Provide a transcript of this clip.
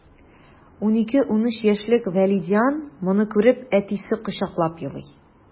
12-13 яшьлек вәлидиан моны күреп, әтисен кочаклап елый...